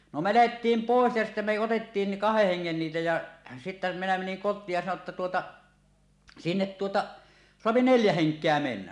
no me lähdettiin pois ja sitten me otettiin niin kahden hengen niitä ja sitten minä menin kotiin ja sanoin jotta tuota sinne tuota saa neljä henkeä mennä